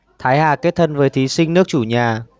thái hà kết thân với thí sinh nước chủ nhà